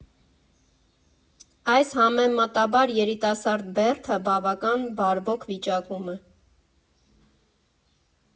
Այս՝ համեմատաբար երիտասարդ բերդը բավական բարվոք վիճակում է.